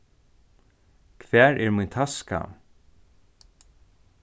hvar er mín taska